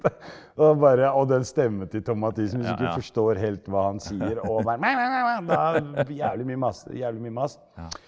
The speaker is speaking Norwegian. og bare og den stemmen til Tom Mathisen hvis du ikke forstår helt hva han sier og jævlig mye mas jævlig mye mas.